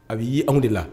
A b bɛ' anw de la